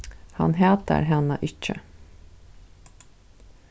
hann hatar hana ikki